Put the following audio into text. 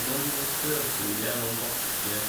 Noen støvsuger, noen vasker.